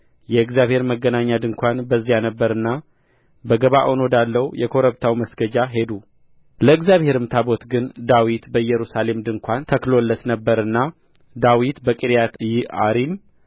የእግዚአብሔር መገናኛ ድንኳን በዚያ ነበረና በገባዖን ወዳለው የኮረብታ መስገጃ ሄዱ ለእግዚአብሔር ታቦት ግን ዳዊት በኢየሩሳሌም ድንኳን ተክሎለት ነበርና ዳዊት ከቂርያትይዓሪም